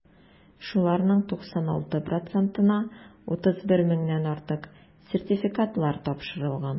Шуларның 96 процентына (31 меңнән артык) сертификатлар тапшырылган.